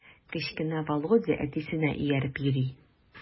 Кечкенә Володя әтисенә ияреп йөри.